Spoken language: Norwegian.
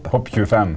hopp tjuefem?